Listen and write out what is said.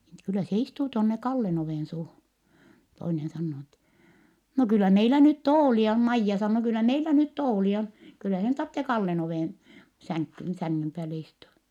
niin että kyllä se istuu tuonne Kallen ovensuuhun toinen sanoo niin että no kyllä meillä nyt tuoleja on Maija sanoo kyllä meillä nyt tuoleja on kyllä sen tarvitse Kallen oven sänkyyn sängyn päälle istua